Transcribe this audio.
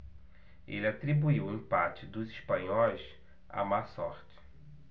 ele atribuiu o empate dos espanhóis à má sorte